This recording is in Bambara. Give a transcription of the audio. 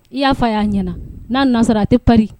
I y'a fa y'a ɲɛna n'a nasɔrɔ a tɛ pari